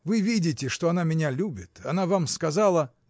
— Вы видите, что она меня любит, она вам сказала.